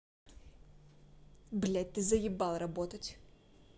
блядь ты заебал работать